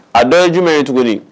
A dɔn ye jumɛn ye tuguni